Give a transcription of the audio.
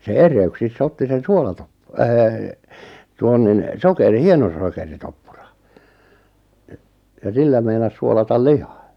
se erehdyksessä otti sen -- tuon niin - hienosokeritoppuran - ja sillä meinasi suolata lihan